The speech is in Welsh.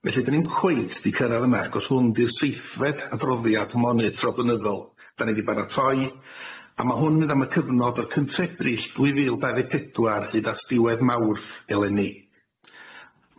Felly dan ni'm cweit di cyrradd yna achos hwn di'r seithfed adroddiad monitro blynyddol 'dan ni di baratoi a ma' hwn yn mynd am y cyfnod o'r cynta Ebrill dwy fil dau ddeg pedwar hyd at diwedd Mawrth eleni.